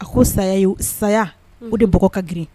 A ko saya ye saya o de b ka grin